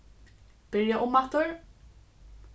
byrja umaftur